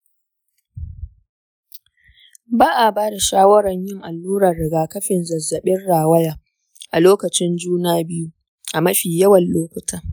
ba a ba da shawarar yin allurar rigakafin zazzabin rawaya a lokacin juna biyu a mafi yawan lokuta.